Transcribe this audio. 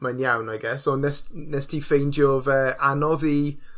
mae'n iawn, I guess, ond nes- n- nest ti ffeindio fe anodd i